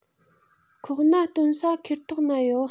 ཁོག ནད སྟོན ས ཁེར ཐོག ན ཡོད